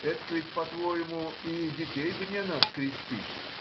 этак ведь, по-твоему, и детей бы не надо крестить.